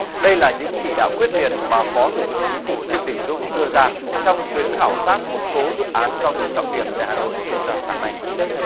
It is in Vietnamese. đây là những chỉ đạo quyết liệt mà phó thủ tướng chính phủ trịnh đình dũng đưa ra trong chuyến khảo sát một số dự án giao thông trọng điểm tại hà nội diễn ra sáng nay